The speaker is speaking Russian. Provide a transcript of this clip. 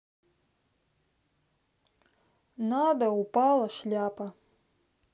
надо упала шляпа